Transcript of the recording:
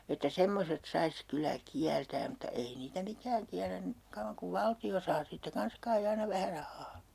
että semmoiset saisi kyllä kieltämään mutta ei niitä mikään kiellä - kauan kuin valtio saa siitä kanssa kai aina vähän rahaa